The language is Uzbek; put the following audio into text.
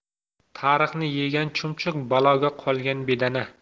tariqni yegan chumchuq baloga qolgan bedana